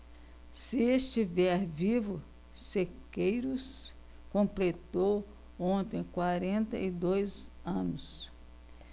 se estiver vivo sequeiros completou ontem quarenta e dois anos